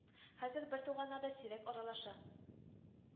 Хәзер бертуганнар да сирәк аралаша